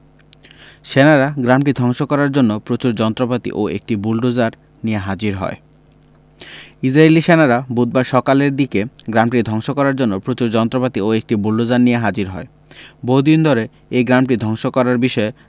সেনারা গ্রামটি ধ্বংস করার জন্য প্রচুর যন্ত্রপাতি ও একটি বুলোডোজার নিয়ে হাজির হয় ইসরাইলী সেনারা বুধবার সকালের দিকে গ্রামটি ধ্বংস করার জন্য প্রচুর যন্ত্রপাতি ও একটি বুলোডোজার নিয়ে হাজির হয় বহুদিন ধরে এই গ্রামটি ধ্বংস করার বিষয়ে